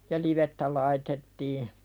ja livettä laitettiin